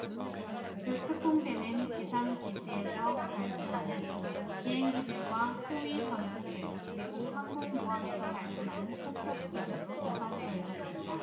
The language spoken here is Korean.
그 특공대는 지상 기지에서 발진하는 비행기들과 호위 전투기들 그리고 항공모함에서 발진하는 폭격기들로 구성되어 있었습니다